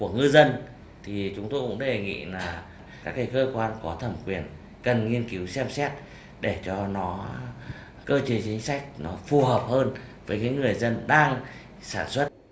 của ngư dân thì chúng tôi cũng đề nghị là các cái cơ quan có thẩm quyền cần nghiên cứu xem xét để cho nó cơ chế chính sách nó phù hợp hơn với cái người dân đang sản xuất